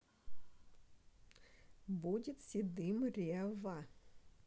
будем седым ревва